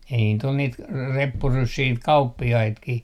ei niitä oli niitä - reppuryssiä niitä kauppiaitakin